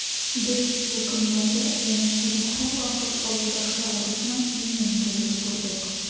Без ул көннәрдә янәшәдә һәрвакыт авылдашларыбызның иңен тоеп тордык.